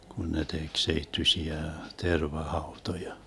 kun ne teki seittyisiä tervahautoja